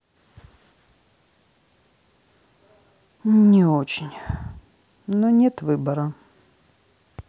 не очень но нет выбора